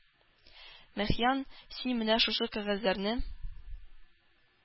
Мәхьян, син менә шушы кәгазьләрне